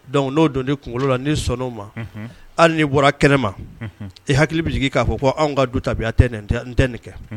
Dɔnku n'o don kunkolo la ni sɔn'o ma hali n'i bɔra kɛnɛ ma i hakili bɛ jigin k'a fɔ ko anw ka du tabiya n tɛ nin kɛ